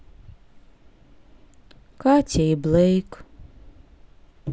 катя и блэйк